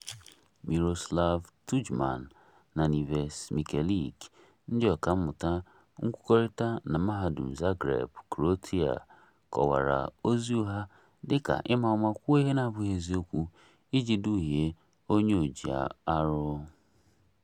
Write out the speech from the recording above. Miroslav Tudjman na Nives Mikelic, ndị ọkà mmụta nkwukọrịta na Mahadum Zagreb, Croatia, kọwara ozi ụgha dị ka "ịma ụma kwuo ihe na-abụghị eziokwu iji duhie onye ojiarụ".